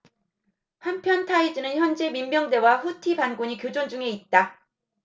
한편 타이즈는 현재 민병대와 후티 반군이 교전 중에 있다